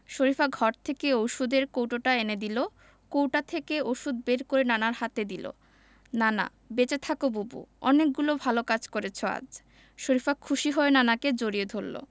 শরিফা ঘর থেকে ঔষধের কৌটোটা এনে দিল কৌটা থেকে ঔষধ বের করে নানার হাতে দিল নানা বেঁচে থাকো বুবু অনেকগুলো ভালো কাজ করেছ আজ শরিফা খুশি হয়ে নানাকে জড়িয়ে ধরল